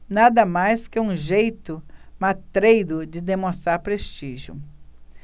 nada mais que um jeito matreiro de demonstrar prestígio